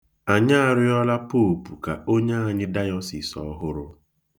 Anyị arịọla Poopu ka o nye anyị dayọsis ọhụrụ.